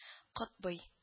Котбый